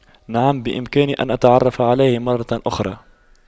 نعم بإمكاني أن أتعرف عليه مرة أخرى